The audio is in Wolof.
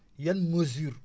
yan mesures